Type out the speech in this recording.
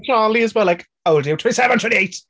Charlie as well, like, "How old are you?" "27." "I'm 28!"